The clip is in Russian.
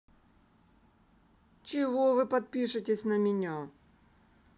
чего вы подпишитесь на меня